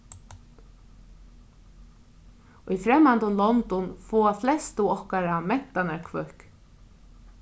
í fremmandum londum fáa flestu okkara mentanarhvøkk